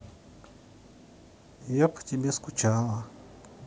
я по тебе скучала